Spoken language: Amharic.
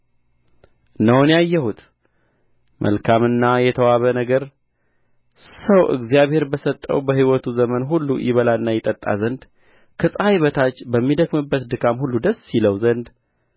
እነሆ እኔ ያየሁት መልካምና የተዋበ ነገር ሰው እግዚአብሔር በሰጠው በሕይወቱ ዘመን ሁሉ ይበላና ይጠጣ ዘንድ ከፀሐይ በታችም በሚደክምበት ድካም ሁሉ ደስ ይለው ዘንድ ነው